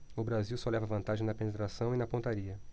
o brasil só leva vantagem na penetração e na pontaria